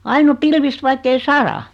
aina on pilvistä vaikka ei sada